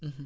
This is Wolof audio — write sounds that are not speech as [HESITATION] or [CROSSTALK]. [HESITATION] [HESITATION]